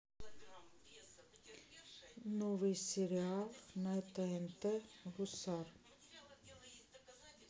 новый сериал на тнт гусар